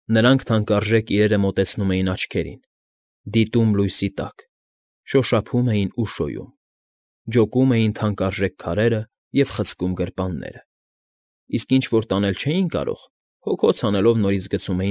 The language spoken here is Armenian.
Նրանք թանկարժեք իրերը մոտեցնում էին աչքներին, դիտում լույսի տակ, շոշափում էին ու շոյում, ջոկում էին թանկարժեք քարերը և խցկում գրպանները, իսկ ինչ որ տանել չէին կարող, հոգոց հանելով նորից գցում։